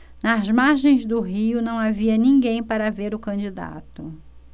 nas margens do rio não havia ninguém para ver o candidato